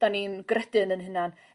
'dan ni'n gredu yn 'yn hunan.